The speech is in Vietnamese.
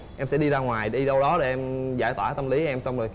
em sẽ đi ra ngoài đi đâu đó để em giải tỏa tâm lý em xong rồi